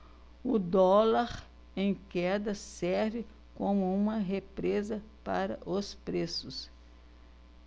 o dólar em queda serve como uma represa para os preços